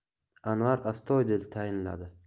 anvar astoydil tayinladi